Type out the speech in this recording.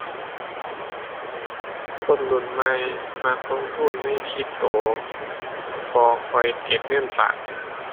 คนรุ่นใหม่มักลงทุนในคริปโต บ่ค่อยเก็บเงินฝาก